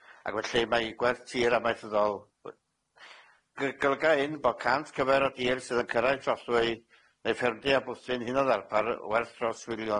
ac felly mae gwerth tir amaethyddol... G- golyga hyn bo' cant cyfer o dir sydd yn cyrraedd y trothwy, neu ffermdy a bwthyn hunanddarpar, werth dros filiwn.